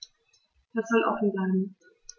Das soll offen bleiben.